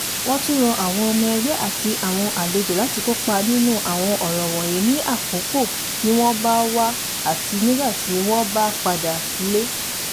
Wọ́n tún rọ àwọn ọmọ ẹgbẹ́ àti àwọn àlejò láti kópa nínú àwọn ọ̀rọ̀ wọ̀nyìí ní àkókò tí wọ́n bá wá àti nígbà tí wọ́n bá padà sí ilé.